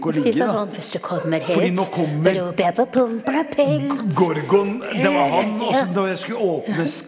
men de sa sånn, hvis du kommer hit roper jeg på Pompel og Pilt ja.